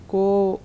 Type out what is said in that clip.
Ko